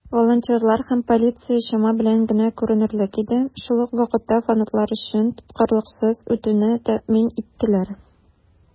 Волонтерлар һәм полиция чама белән генә күренерлек иде, шул ук вакытта фанатлар өчен тоткарлыксыз үтүне тәэмин иттеләр.